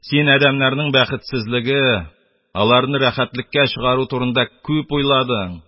Син адәмнәрнең бәхетсезлеге, алар-ны рәхәтлеккә чыгару турында күп уйладың